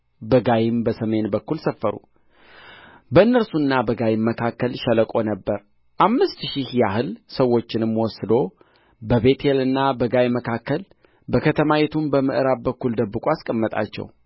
በጋይም በሰሜን በኩል ሰፈሩ በእነርሱና በጋይም መካከል ሸለቆ ነበረ አምስት ሺህ ያህል ሰዎችንም ወስዶ በቤቴልና በጋይ መካከል በከተማይቱም በምዕራብ በኩል ደብቆ አስቀመጣቸው